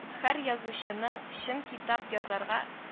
Һәр язучының чын китап язарга